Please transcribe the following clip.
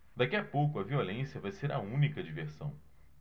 daqui a pouco a violência vai ser a única diversão